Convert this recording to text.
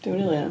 Dim rili na.